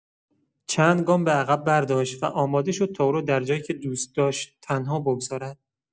چند گام به‌عقب برداشت و آماده شد تا او را در جایی که دوست داشت، تنها بگذارد.